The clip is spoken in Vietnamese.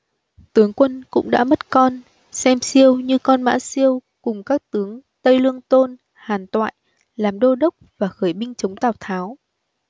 tướng quân cũng đã mất con xem siêu như con mã siêu cùng các tướng tây lương tôn hàn toại làm đô đốc và khởi binh chống tào tháo